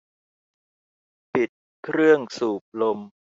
ปิดเครื่องสูบลม